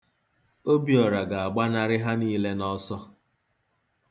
Obiọra ga-agbanarị ha niile n'ọsọ.